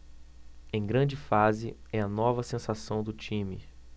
em grande fase é a nova sensação do time